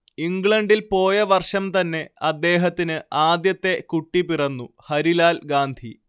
ഇംഗ്ലണ്ടിൽ പോയ വർഷം തന്നെ അദ്ദേഹത്തിന് ആദ്യത്തെ കുട്ടി പിറന്നു ഹരിലാൽ ഗാന്ധി